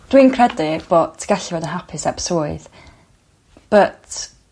Dwi'n credu bo' ti gallu fod y' hapus heb swydd but